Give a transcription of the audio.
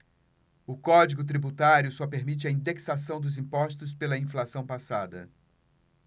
o código tributário só permite a indexação dos impostos pela inflação passada